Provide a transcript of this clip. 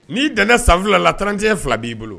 N'i dɛmɛɛnɛn sanf la tcti fila b'i bolo